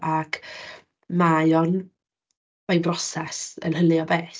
Ac mae o'n... mae'n broses yn hynny o beth.